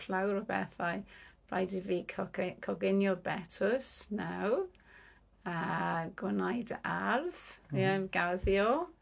Llawer o bethau. Rhaid i fi coge- coginio betws nawr a gwneud yr ardd you know garddio